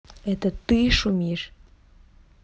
это ты шумишь